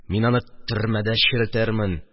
Мин аны төрмәдә черетермен.